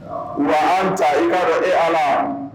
Nka an ta i ka e ala la